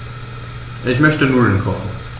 Ich möchte Nudeln kochen.